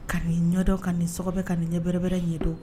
Ka nin ɲɛdɔn? ka nin Sɔgɔbɛ, ka nin ɲɛ bɛrɛbɛrɛ ɲɛdon